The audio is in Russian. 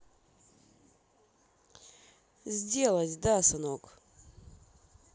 сделать да сынок